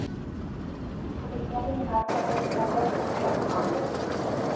Տուրիստներին, իհարկե, էս վայրերով տուր չես անի.